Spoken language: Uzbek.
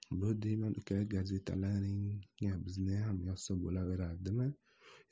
bu diyman uka gazetlaringga bizniyam yozsa bo'lavuradimi